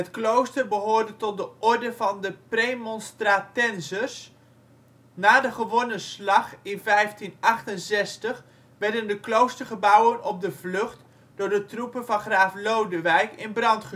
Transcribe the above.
klooster behoorde tot de orde van de Premonstratenzers. Na de gewonnen slag in 1568 werden de kloostergebouwen op de vlucht door de troepen van graaf Lodewijk in brand